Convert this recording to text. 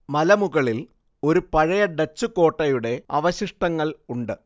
മലമുകളില്‍ ഒരു പഴയ ഡച്ച് കോട്ടയുടെ അവശിഷ്ടങ്ങള് ഉണ്ട്